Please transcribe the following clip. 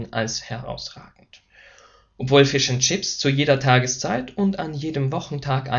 als herausragend. Obwohl Fish and Chips zu jeder Tageszeit und an jedem Wochentag